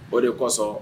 O de kɔsɔn